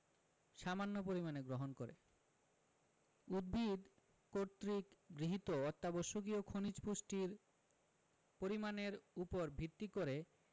সামান্য পরিমাণে গ্রহণ করে উদ্ভিদ কর্তৃক গৃহীত অত্যাবশ্যকীয় খনিজ পুষ্টির পরিমাণের উপর ভিত্তি করে